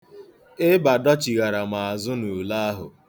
Ịba dochighara m azụ n'ule ahụ.